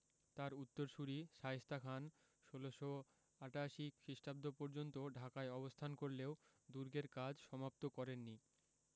তাঁর উত্তরসূরি শায়েস্তা খান ১৬৮৮ খ্রিস্টাব্দ পর্যন্ত ঢাকায় অবস্থান করলেও দুর্গের কাজ সমাপ্ত করেন নি